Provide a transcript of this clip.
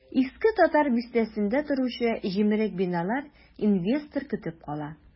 Иске татар бистәсендә торучы җимерек биналар инвестор көтеп кала.